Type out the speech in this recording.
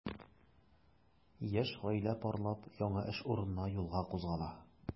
Яшь гаилә парлап яңа эш урынына юлга кузгала.